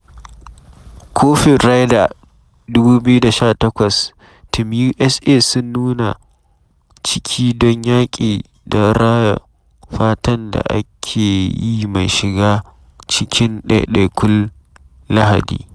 Kofin Ryder 2018: Team USA sun nuna ciki don yaƙi don raya fatan da ake yi mai shiga cikin ɗaiɗaikun Lahadi